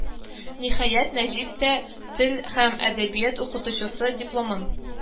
Ниһаять, Нәҗип тә тел һәм әдәбият укытучысы дипломын